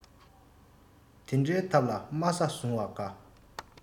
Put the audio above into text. དེ འདྲའི ཐབས ལ དམའ ས བཟུང བ དགའ